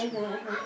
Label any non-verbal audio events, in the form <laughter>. <hesitation> <hesitation> <hesitation> <hesitation>